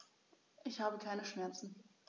Ich habe keine Schmerzen.